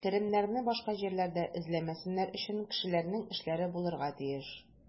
Керемнәрне башка җирләрдә эзләмәсеннәр өчен, кешеләрнең эшләре булырга тиеш.